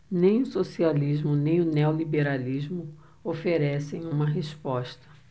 nem o socialismo nem o neoliberalismo oferecem uma resposta